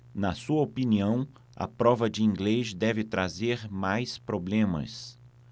na sua opinião a prova de inglês deve trazer mais problemas